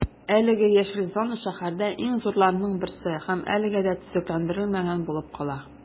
Әлеге яшел зона шәһәрдә иң зурларының берсе һәм әлегә дә төзекләндерелмәгән булып кала.